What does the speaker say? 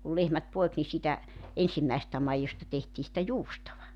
kun lehmät poiki niin siitä ensimmäisestä maidosta tehtiin sitä juustoa